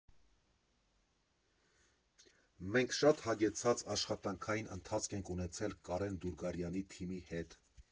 Մենք շատ հագեցած աշխատանքային ընթացք ենք ունեցել Կարեն Դուրգարյանի թիմի հետ։